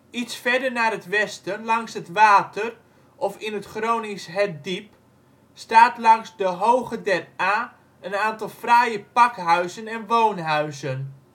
Iets verder naar het westen, langs het water, of in het Gronings ' het diep ', staat langs de Hoge der Aa een aantal fraaie pakhuizen en woonhuizen